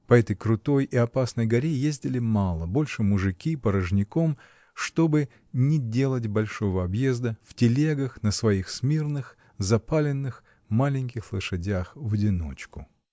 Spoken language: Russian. По этой крутой и опасной горе ездили мало, больше мужики, порожняком, чтобы не делать большого объезда, в телегах, на своих смирных, запаленных, маленьких лошадях, в одиночку.